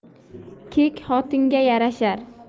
kek xotinga yarashar